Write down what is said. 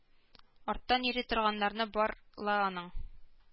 Арттан йөри торганнары бар ла аның